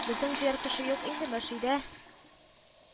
– безнең җыяр кеше юк инде, мөршидә